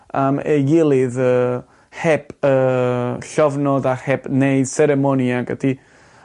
am ei gilydd yy heb yy llofnod a heb neud seremoni ag ati